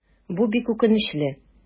Бу бик үкенечле.